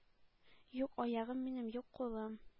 Юк аягым минем, юк кулым.